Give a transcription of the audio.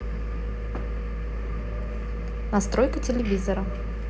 настройка телевизора